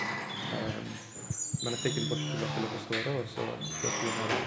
Men jeg fikk en drosjesjåfør til å forstå, da, og så kjørte vi ned der.